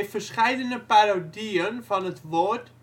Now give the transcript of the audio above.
verscheidene parodieën van het woord